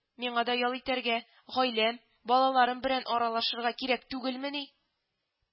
Миңа да ял итәргә, гаиләм, балаларым белән аралашырга кирәк түгелмени